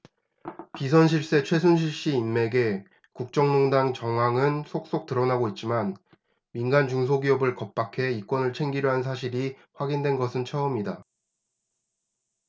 비선 실세 최순실씨 인맥의 국정농단 정황은 속속 드러나고 있지만 민간 중소기업을 겁박해 이권을 챙기려 한 사실이 확인된 것은 처음이다